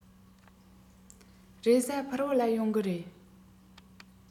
རེས གཟའ ཕུར བུ ལ ཡོང གི རེད